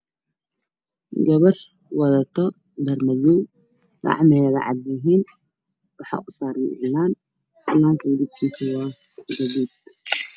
Gabar wadato dhar madow gacmaheeda cad yihiin waxaan u saaran cilaan cilaanka midabkiisu waa gaduud